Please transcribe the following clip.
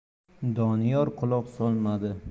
doniyor quloq solmadi